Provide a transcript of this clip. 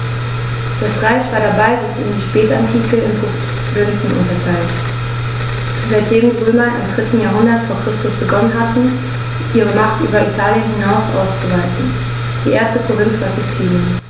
Das Reich war dabei bis in die Spätantike in Provinzen unterteilt, seitdem die Römer im 3. Jahrhundert vor Christus begonnen hatten, ihre Macht über Italien hinaus auszuweiten (die erste Provinz war Sizilien).